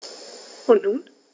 Und nun?